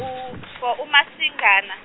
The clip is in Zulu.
u- four uMasingana.